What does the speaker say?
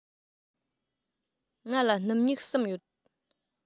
ང ལ སྣུམ སྨྱུག གསུམ ཡོད